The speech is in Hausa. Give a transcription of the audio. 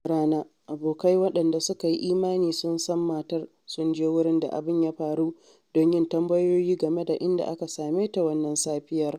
Yau da rana abokai waɗanda suka yi imani sun san matar sun je wurin da abin ya faru don yin tambayoyi game da inda aka same ta wannan safiyar.